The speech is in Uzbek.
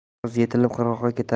qiz yetilib qirg'oqqa ketar